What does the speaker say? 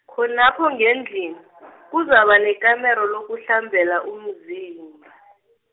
khonapho ngendlini , kuzaba nekamero lokuhlambela umzimba .